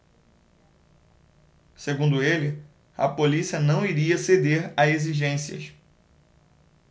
segundo ele a polícia não iria ceder a exigências